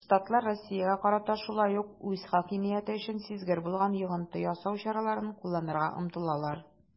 Штатлар Россиягә карата шулай ук үз хакимияте өчен сизгер булган йогынты ясау чараларын кулланырга омтылалар.